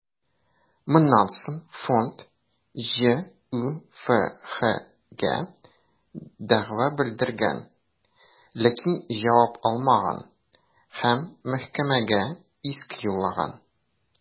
Моннан соң фонд ҖҮФХгә дәгъва белдергән, ләкин җавап алмаган һәм мәхкәмәгә иск юллаган.